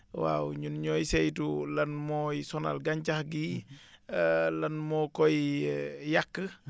waaw ñun ñooy saytu lan mooy sonal gàncax gi lan moo koy yàq